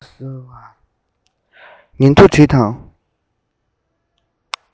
ཉིན ཐོ བྲིས དང